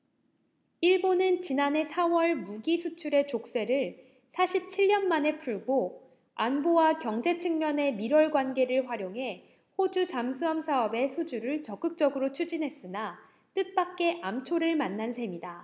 일본은 지난해 사 월 무기 수출의 족쇄를 사십 칠 년 만에 풀고 안보와 경제 측면의 밀월관계를 활용해 호주 잠수함 사업의 수주를 적극적으로 추진했으나 뜻밖의 암초를 만난 셈이다